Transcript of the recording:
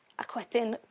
ac wedyn